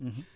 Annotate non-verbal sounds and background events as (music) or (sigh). (hesitation) (hesitation)